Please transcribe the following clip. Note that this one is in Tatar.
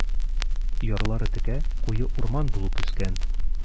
Ярлары текә, куе урман булып үскән.